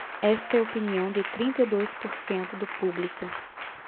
esta é a opinião de trinta e dois por cento do público